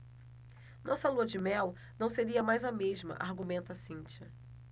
nossa lua-de-mel não seria mais a mesma argumenta cíntia